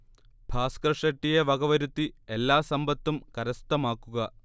ഭാസ്ക്കർ ഷെട്ടിയെ വക വരുത്തി എല്ലാ സമ്പത്തും കര്സഥമാക്കുക